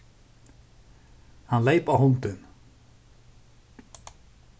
hann leyp á hundin